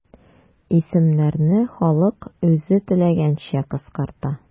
Исемнәрне халык үзе теләгәнчә кыскарта.